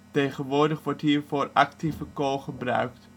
Tegenwoordig wordt hiervoor actieve kool gebruikt